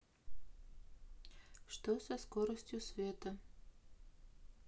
что со скоростью света